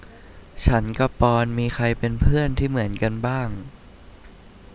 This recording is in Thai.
ฉันกับปอนด์มีใครเป็นเพื่อนที่เหมือนกันบ้าง